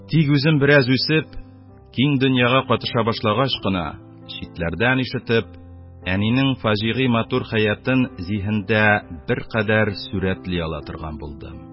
Тик үзем бераз үсеп, киң дөньяга катыша башлагач кына, читләрдән ишетеп, әнинең фаҗигый матур хәятын зиһендә беркадәр сурәтли ала торган булдым.